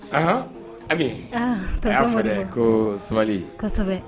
Anhan, Ami, ɔn, tonton Balla, a y'a fɔ dɛ ko sabali